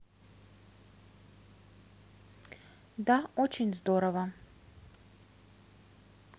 да очень здорово